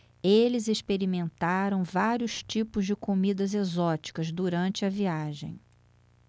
eles experimentaram vários tipos de comidas exóticas durante a viagem